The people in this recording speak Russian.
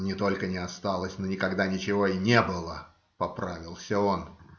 - Не только не осталось, но никогда ничего и не было, - поправился он.